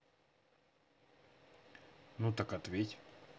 ну так ответь